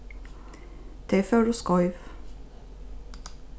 tey fóru skeiv